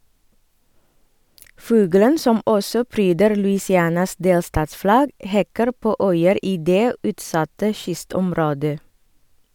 Fuglen, som også pryder Louisianas delstatsflagg, hekker på øyer i det utsatte kystområdet.